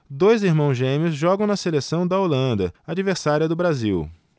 dois irmãos gêmeos jogam na seleção da holanda adversária do brasil